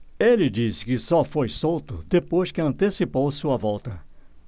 ele disse que só foi solto depois que antecipou sua volta